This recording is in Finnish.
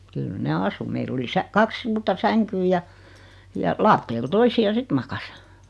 kyllä ne asui meillä oli - kaksi suurta sänkyä ja ja lattialla toisia sitten makasi